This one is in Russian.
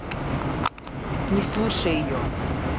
не слушай ее